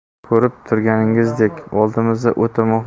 ko'rib turganingizdek oldimizda o'ta